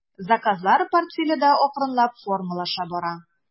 Заказлар портфеле дә акрынлап формалаша бара.